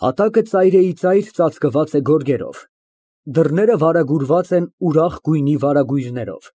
Հատակը ծայրիծայր ծածկված է գորգերով։ Դռները վարագուրված են ուրախ գույնի վարագույրներով։